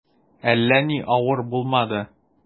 Әллә ни авыр булмады.